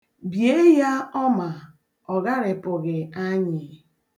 Bie ya ọma! Ọ gharịpụghị anyị.